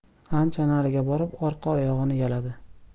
ancha nariga borib orqa oyog'ini yaladi